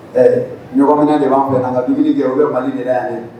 Ɛɛ ɲɔgɔn minɛ de b'an fɛ, n'an ka dumini kɛ, u bɛ Mali de la yan dɛ.